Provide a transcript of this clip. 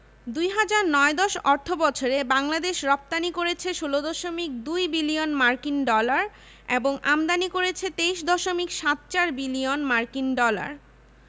বেতার সম্প্রচার কেন্দ্রঃ ঢাকা চট্টগ্রাম খুলনা রাজশাহী রংপুর সিলেট রাঙ্গামাটি কুমিল্লা এবং ঠাকুরগাঁও